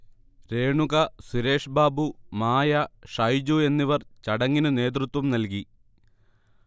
രേണുക, സുരേഷ്ബാബു, മായ, ഷൈജു എന്നിവർ ചടങ്ങിന് നേതൃത്വം നൽകി